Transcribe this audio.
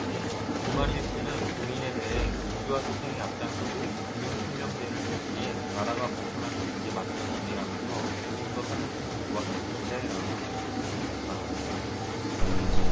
김완일씨는 고인에 대해 민주화 투쟁에 앞장서고 금융실명제를 실시해 나라가 번창할 수 있게 만든 분이라면서 조금 더 사셨으면 좋았을 텐데 라며 말끝을 흐렸다